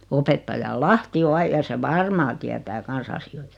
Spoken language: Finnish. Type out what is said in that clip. opettaja Lahti on - ja se varmaan tietää kanssa asioita